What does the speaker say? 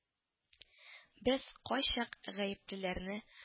— без кайчак гаеплеләрне